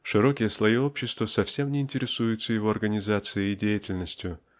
Широкие слои общества совсем не интересуются его организацией и деятельностью.